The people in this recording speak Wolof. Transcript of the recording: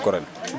jaay nañu ko ren